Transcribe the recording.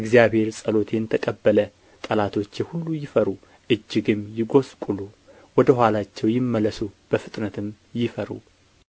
እግዚአብሔር ጸሎቴን ተቀበለ ጠላቶቼ ሁሉ ይፈሩ እጅግም ይጐስቍሉ ወደ ኋላቸው ይመለሱ በፍጥነትም ይፈሩ